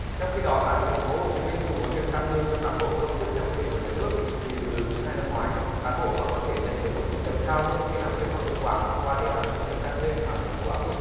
trong khi đó tại thành phố hồ chí minh cùng với việc tăng lương cho cán bộ công chức theo quy định của nhà nước thì từ quý hai năm ngoái cán bộ còn có thể nhận được mức thu nhập cao hơn khi làm việc có hiệu quả qua đề án thu nhập tăng thêm mà thành phố áp dụng